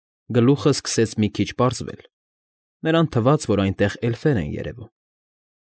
Գլուխն սկսեց մի քիչ պարզվել, նրան թվաց, որ այնտեղ էլֆեր են երևում։